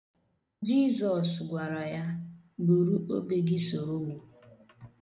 Jizọs gwara ya'' Buru obe gị soro mụ''.